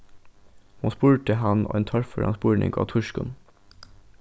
hon spurdi hann ein torføran spurning á týskum